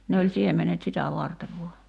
ne oli siemenet sitä varten vain